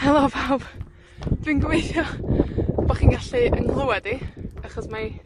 Helo pawb. Dwi'n gobeithio bo' chi'n gallu 'yng nghlywad i, achos mae